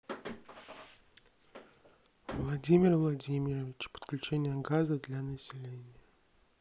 владимир владимирович подключение газа для населения